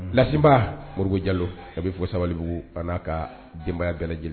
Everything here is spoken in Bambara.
Lasiba Modibo Jalo a bɛ fo sabalibugu a n'a ka denbaya bɛɛ lajɛlen.